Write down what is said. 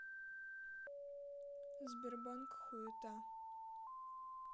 сбербанк хуета